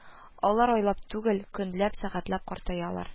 Алар айлап түгел, көнләп, сәгатьләп картаялар